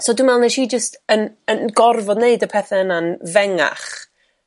so dwi me'l nesi jyst yn yn gorfod neud y petha' 'ma yn 'fengach